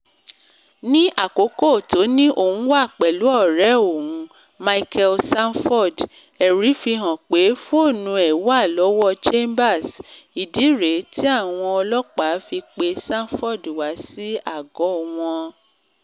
Ní àkókò tó ní òun wà pẹ̀lú ọ̀rẹ́ òun, Michael Sanford, ẹ̀rí fi hàn pé fóònù ẹ̀ wà lọ́wọ́ Chambers. Ìdí rèé tí àwọn ọlọ́pàá fi pe Sanford wá sí àágọ wọn.